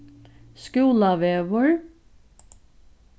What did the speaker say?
skúlavegur